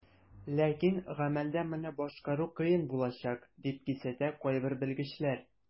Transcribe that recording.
Ләкин гамәлдә моны башкару кыен булачак, дип кисәтә кайбер белгечләр.